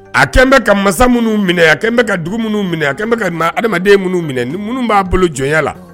A kɛlen bɛ ka masa minnu minɛ a kɛlen n bɛ ka dugu minnu minɛ a bɛ ka adamadamaden minnu minɛ minnu b'a bolo jɔn la